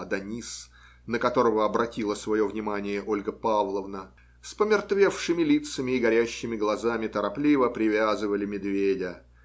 Адонис, на которого обратила свое внимание Ольга Павловна, с помертвевшими лицами и горящими глазами торопливо привязывали медведя.